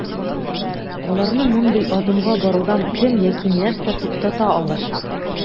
Аларны мондый адымга барудан кем яки нәрсә туктата алачак?